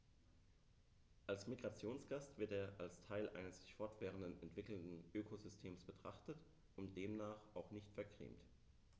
Als Migrationsgast wird er als Teil eines sich fortwährend entwickelnden Ökosystems betrachtet und demnach auch nicht vergrämt.